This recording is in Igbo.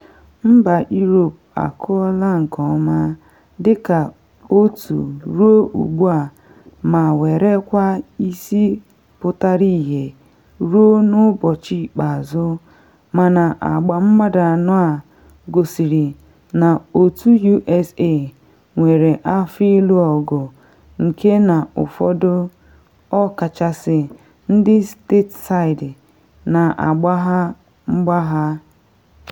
Mba Europe akụọla nke ọma dịka otu ruo ugbu a ma werekwa isi pụtara ihie ruo n’ụbọchị ikpeazụ mana agba mmadụ anọ a gosiri na otu USA nwere afọ ilụ ọgụ nke na ụfọdụ, ọ kachasị ndị Stateside na-agbagha mgbagha.